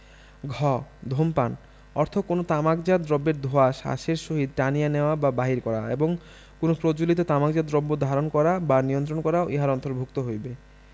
ঘ ধূমপান অর্থ কোন তামাকজাত দ্রব্যের ধোঁয়া শ্বাসের সহিত টানিয়া নেওয়া বা বাহির করা এবং কোন প্রজ্বলিত তামাকজাত দ্রব্য ধারণ করা বা নিয়ন্ত্রণ করাও ইহার অন্তর্ভুক্ত হইবে